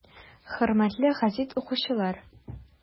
Хөрмәтле гәзит укучылар!